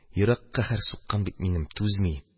Йөрәк каһәр суккан бит минем, түзми.